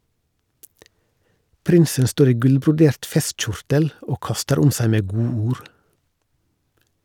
Prinsen står i gullbrodert festkjortel og kaster om seg med godord.